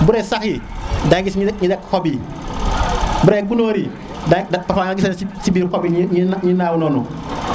bode sax yi dinga gis xob yi bude gunor da dafa gis si biir xob yi ñuy naaw nonu